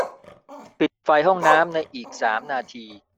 ปิดไฟห้องน้ำในอีกสามนาที